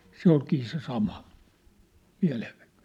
se olikin se sama mielenvikainen